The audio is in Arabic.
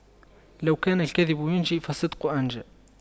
لو كان الكذب ينجي فالصدق أنجى